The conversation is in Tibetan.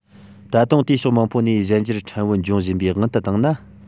ད དུང དེ ཕྱོགས མང པོ ནས གཞན འགྱུར ཕྲན བུ འབྱུང བཞིན པའི དབང དུ བཏང ན